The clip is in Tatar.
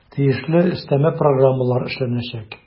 Тиешле өстәмә программалар эшләнәчәк.